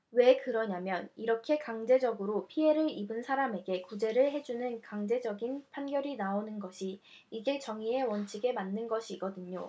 왜 그러냐면 이렇게 강제적으로 피해를 입은 사람에게 구제를 해 주는 강제적인 판결이 나오는 것이 이게 정의의 원칙에 맞는 것이거든요